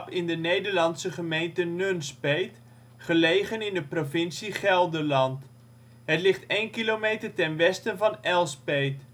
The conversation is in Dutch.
in de Nederlandse gemeente Nunspeet, gelegen in de provincie Gelderland. Het ligt 1 kilometer ten westen van Elspeet